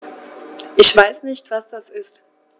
Ich weiß nicht, was das ist.